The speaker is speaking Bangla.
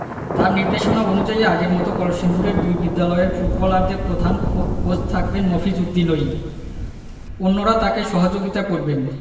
তাঁর নির্দেশনা অনুযায়ী আগের মতো কলসিন্দুরের দুই বিদ্যালয়ের ফুটবলারদের প্রধান কোচ থাকবেন মফিজ উদ্দিনই অন্যরা তাঁকে সহযোগিতা করবেন